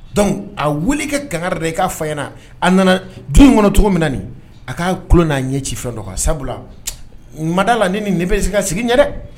Donc a wele i ka kangari da ye, i ka f'a ɲɛna, a nana dun kɔnɔ cogo min a k'a tulo n'a ɲɛ ci fɛn dɔ kan sabula ma d'a la nin ni bɛ se ka sigi ɲɛ dɛ